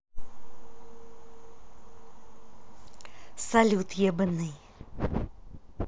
салют ебаный